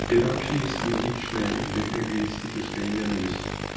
и это вообще есть не личная или эгоистическая ненависть.